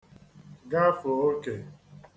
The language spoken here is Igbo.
gafe okè